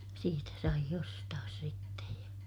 siitä sai ostaa sitten ja